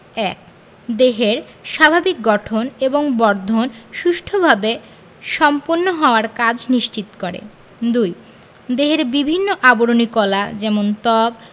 ১. দেহের স্বাভাবিক গঠন এবং বর্ধন সুষ্ঠুভাবে সম্পন্ন হওয়ার কাজ নিশ্চিত করে ২. দেহের বিভিন্ন আবরণী কলা যেমন ত্বক